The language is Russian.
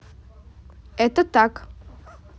это так